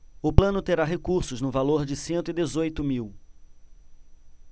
o plano terá recursos no valor de cento e dezoito mil